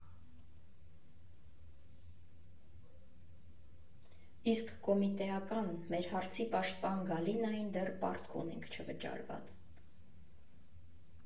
Իսկ կոմիտեական, մեր հարցի պաշտպան Գալինային դեռ պարտք ունենք չվճարված։